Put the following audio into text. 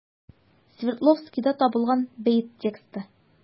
Свердловскида табылган бәет тексты.